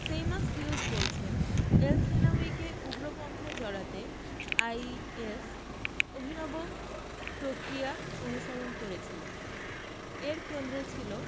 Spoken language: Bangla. সেইমাস হিউজ বলছেন এলসহিনাউয়িকে উগ্রপন্থায় জড়াতে আইএস অভিনব প্রক্রিয়া অনুসরণ করেছিল এর কেন্দ্রে ছিল